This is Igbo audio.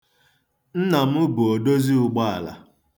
Nna m bụ odozi ụgbọala.